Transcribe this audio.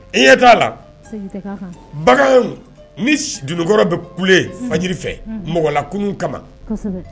I ɲɛ t'a la bagan ni dununkɔrɔ bɛ kule fanji fɛ mɔgɔlakun kama